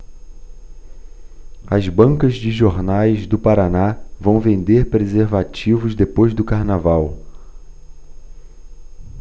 as bancas de jornais do paraná vão vender preservativos depois do carnaval